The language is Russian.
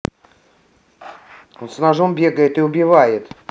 он ножом бегает и убивает